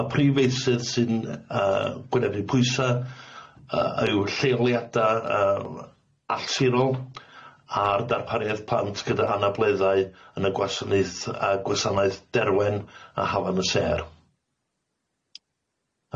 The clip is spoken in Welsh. Y prifeisydd sy'n yy gwynebu pwysa yy yw lleoliada yym allsirol a'r darpariaeth plant gyda anableddau yn y gwasanaeth yy gwasanaeth Ferwen a Hafan y Sêr.